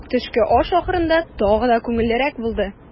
Төшке аш ахырында тагы да күңеллерәк булды.